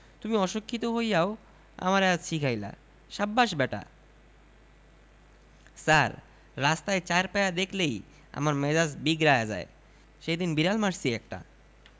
তুমি অশিক্ষিতো হইয়াও আমারে আজ শিখাইলা সাব্বাস ব্যাটা ছার রাস্তায় চাইর পায়া কিছু দেখলেই আমার মেজাজ বিগড়ায়া যায় সেইদিন বিড়াল মারছি একটা